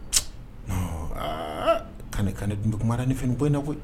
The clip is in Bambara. Kan kan ne dun dugu ne fana bɔ na koyi